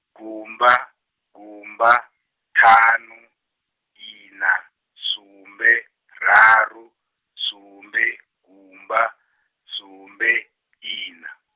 gumba, gumba, ṱhanu, ina, sumbe, raru, sumbe, gumba, sumbe, ina.